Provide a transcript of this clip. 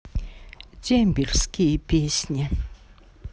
дембельские песни